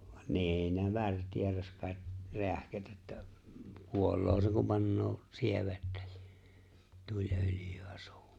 niin ne värteerasi kai räähkät että kuolee se kun panee sievettä siihen - tuliöljyä suuhun